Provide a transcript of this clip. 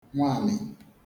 nwamì